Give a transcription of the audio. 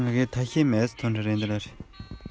འདི ནི ཞིང ཐང ཡིན དགོས